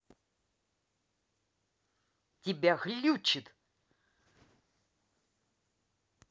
тебя глючит